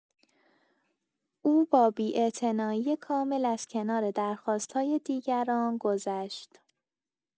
او با بی‌اعتنایی کامل از کنار درخواست‌های دیگران گذشت.